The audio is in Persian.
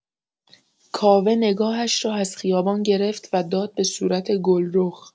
کاوه نگاهش را از خیابان گرفت و داد به صورت گلرخ